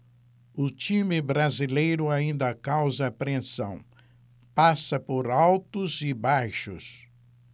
o time brasileiro ainda causa apreensão passa por altos e baixos